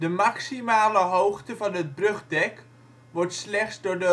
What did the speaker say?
maximale hoogte van het brugdek wordt slechts door de